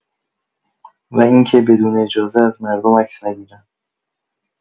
و اینکه بدون اجازه از مردم عکس نگیرن.